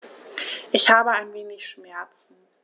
Ich habe ein wenig Schmerzen.